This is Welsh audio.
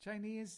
Chinese?